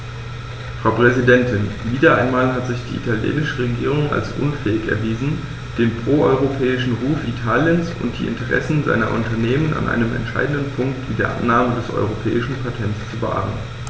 Frau Präsidentin, wieder einmal hat sich die italienische Regierung als unfähig erwiesen, den pro-europäischen Ruf Italiens und die Interessen seiner Unternehmen an einem entscheidenden Punkt wie der Annahme des europäischen Patents zu wahren.